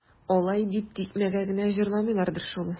Алай дип тикмәгә генә җырламыйлардыр шул.